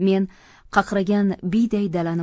men qaqragan biyday dalani